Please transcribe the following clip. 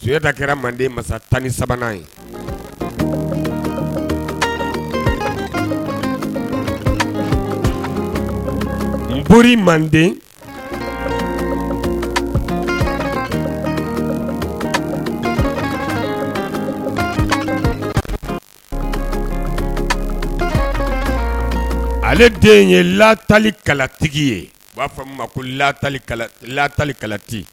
Sokɛda kɛra manden masa tan ni sabanan ye nb manden ale den ye lalikalatigi ye u b'a fɔ ma koli lalikalati